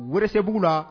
Wari se bbugu la